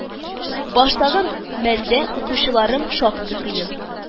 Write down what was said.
Баштагы мәлдә укучыларым шактый кыен